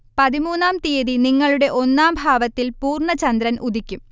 പതിമൂന്നാം തീയതി നിങ്ങളുടെ ഒന്നാം ഭാവത്തിൽ പൂർണ ചന്ദ്രൻ ഉദിക്കും